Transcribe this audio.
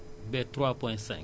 xar yi ak béy yi sept pour